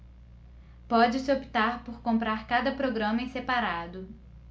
pode-se optar por comprar cada programa em separado